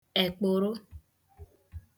èkpụ̀rụ